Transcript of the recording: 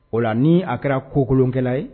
O la ni a kɛra kokolonkɛla ye